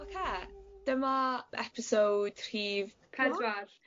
Oce dyma episode rfif pedwar.